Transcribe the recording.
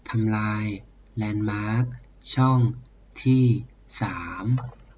ทำลายแลนด์มาร์คช่องที่สาม